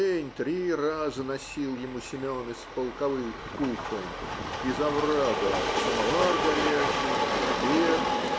день три раза носил ему Семен из полковых кухонь, из оврага, самовар горячий и обед.